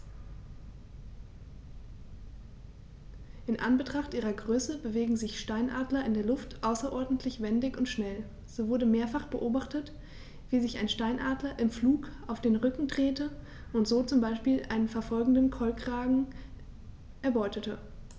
In Anbetracht ihrer Größe bewegen sich Steinadler in der Luft außerordentlich wendig und schnell, so wurde mehrfach beobachtet, wie sich ein Steinadler im Flug auf den Rücken drehte und so zum Beispiel einen verfolgenden Kolkraben erbeutete.